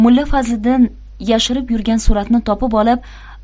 mulla fazliddin yashirib yurgan suratni topib olib